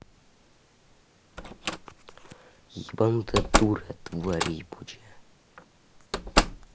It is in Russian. ебнутая дура тварь ебучая